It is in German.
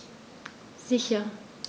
Sicher.